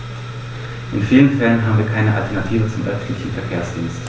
In vielen Fällen haben wir keine Alternative zum öffentlichen Verkehrsdienst.